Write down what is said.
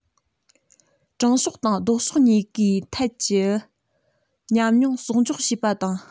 དྲང ཕྱོགས དང ལྡོག ཕྱོགས གཉིས ཀའི ཐད ཀྱི ཉམས མྱོང གསོག འཇོག བྱས པ དང